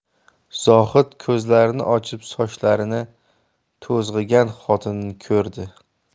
zohid ko'zlarini ochib sochlari to'zg'igan xotinini ko'rdi